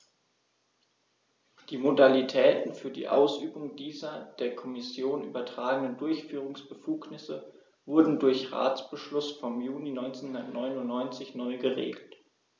Die Modalitäten für die Ausübung dieser der Kommission übertragenen Durchführungsbefugnisse wurden durch Ratsbeschluss vom Juni 1999 neu geregelt.